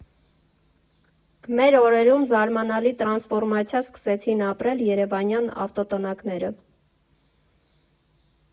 Մեր օրերում զարմանալի տրանսֆորմացիա սկսեցին ապրել երևանյան ավտոտնակները։